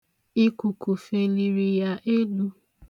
Ikuku feliri ya elu.